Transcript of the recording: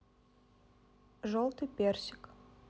желтый персик